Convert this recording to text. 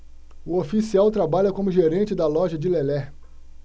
o oficial trabalha como gerente da loja de lelé